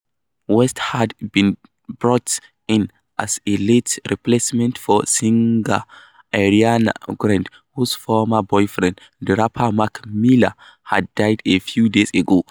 West had been brought in as a late replacement for singer Ariana Grande, whose former boyfriend, the rapper Mac Miller had died a few days ago.